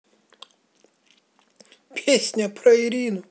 песня про ирину